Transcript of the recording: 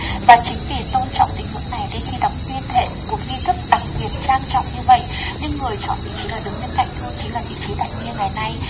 và chính vì tôn trọng tín ngưỡng này nên khi đọc tuyên thệ một nghi thức đặc biệt trang trọng như vậy nhưng người chọn vị trí là đứng bên cạnh thôi chính là vị trí đặt bia ngày nay